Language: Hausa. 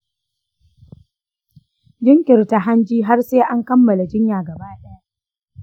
jinkirta hajjin har sai an kammala jiyya gaba ɗaya.